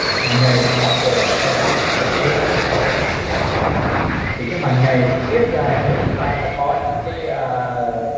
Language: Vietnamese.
mảng nhầy nó có từ ở trong họng đi xuống dưới phổi ờ thì cái mảng nhầy nó tiết ra nếu chúng ta có những cái ờ